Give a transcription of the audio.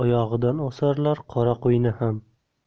oyog'idan osarlar qora qo'yni ham